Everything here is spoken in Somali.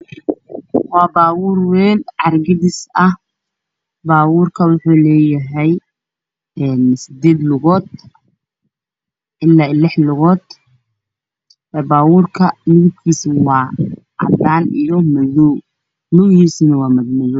Waa baabuur wayn oo carro gadis ah waxuu leeyahay siddeed lugood ilaa lix lugood midabkiisu waa cadaan iyo madow, lugihiisa waa madow.